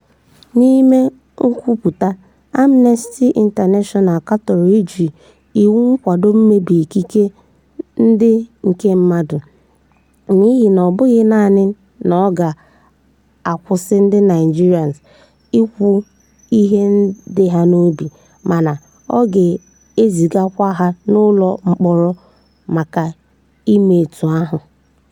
N'ime nkwupụta, Amnesty International katọrọ iji "iwu kwado mmebi ikike ndị nke mmadụ" n'ihi na ọ bụghị naanị na ọ ga-akwụsị ndị Naịjirịa "ikwu ihe dị ha n'obi" mana "ọ ga-ezigakwa ha n'ụlọ mkpọrọ maka ime etu ahụ".